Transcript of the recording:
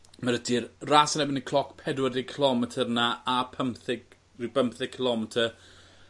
ma' 'dy ti'r ras yn erbyn y cloc pedwar deg cilometr 'na a pymtheg ryw bymtheg cilometyr